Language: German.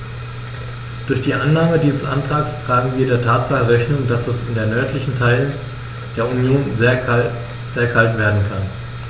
Durch die Annahme dieses Antrags tragen wir der Tatsache Rechnung, dass es in den nördlichen Teilen der Union sehr kalt werden kann.